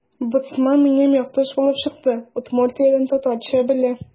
Боцман минем якташ булып чыкты: Удмуртиядән – татарча белә.